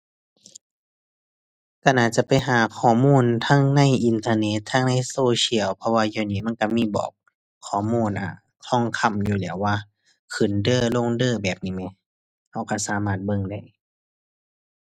ก็น่าจะไปหาข้อมูลทั้งในอินเทอร์เน็ต ทั้งในโซเชียล เพราะว่าเดี๋ยวนี้มันก็มีบอกข้อมูล อ่า ทองคำอยู่แล้วว่าขึ้นเด้อ ลงเด้อ แบบนี้แหม ก็ก็สามารถเบิ่งได้